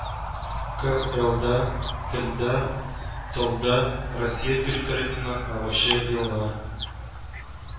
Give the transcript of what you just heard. Кэ элда Телда, Толда Русия территориясеннән агучы елга